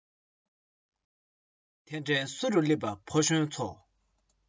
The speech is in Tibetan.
དེ འདྲའི ས རུ སླེབས པའི ཕོ གཞོན ཚོ